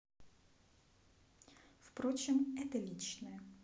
впрочем это личное